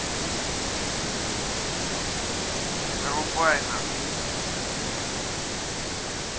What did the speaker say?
вырубай нахуй